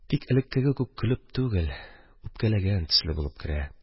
Тик элекке күк көлеп түгел, үпкәләгән төсле булып керә.